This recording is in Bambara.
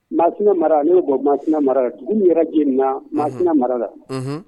Masina mara ne bɔ bɛ Masina mara la dugu min yɛrɛ jenina Masina mara la, unhun